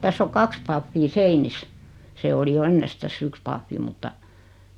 tässä on kaksi pahvia seinissä se oli jo ennestään yksi pahvi mutta